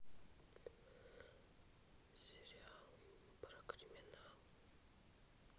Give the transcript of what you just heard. сериал про криминал